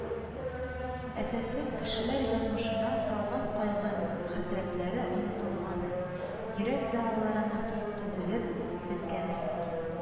Афәтнең кешеләр язмышына салган кайгы-хәсрәтләре онытылганы, йөрәк яраларының төзәлеп беткәне юк